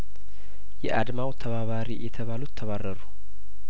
የአድማው ተባባሪ የተባሉት ተባረሩ